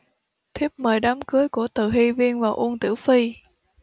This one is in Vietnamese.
thiếp mời đám cưới của từ hy viên và uông tiểu phi